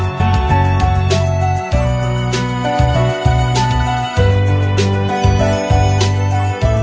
độ ta không độ nàng thảo phạm ft hoàng kim ngọc